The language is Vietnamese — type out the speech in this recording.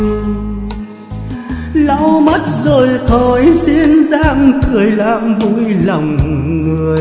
lau mắt rồi thôi xin gắng cười làm vui lòng người